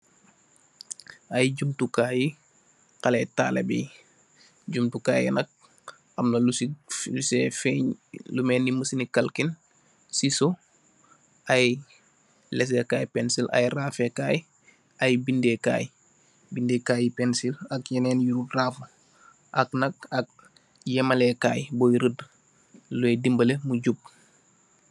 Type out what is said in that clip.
Ay jumtukai xalèh talibeh, jumtukai yi nak am na lu sèè feeñ lu melni massini kalkin, sisso, ay lesseh kay pensil, raafekai, ay bindé kay, bindé kay pensil ak yenen yuy rafèè ak nak yèmaleh kay buy rëdd lu lay dimbale mu jub.